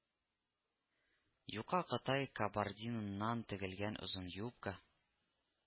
Юка кытай габардиныннан тегелгән озын юбка